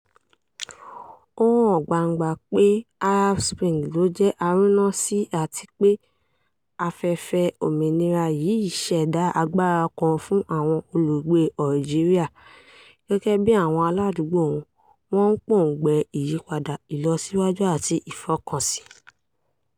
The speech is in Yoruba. Ó hàn gbangba pé Arab Spring ló jẹ́ arúnásí àti pé afẹ́fẹ́ òmìnira yìí ṣẹ̀dá agbára kan fún àwọn olùgbé Algeria, gẹ́gẹ́ bí àwọn aládùúgbò wọn, wọ́n ń pòǹgbẹ ìyípadà, ìlọsíwájú àti ìfọkànsìn.